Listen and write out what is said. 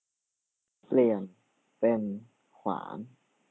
เปลี่ยนเป็นขวาน